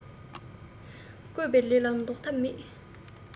བསྐོས པའི ལས ལ ཟློག ཐབས མེད